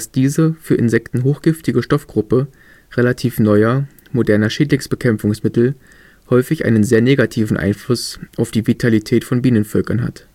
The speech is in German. diese für Insekten hochgiftige Stoffgruppe relativ neuer, moderner Schädlingsbekämpfungsmittel häufig einen sehr negativen Einfluss auf die Vitalität von Bienenvölkern hat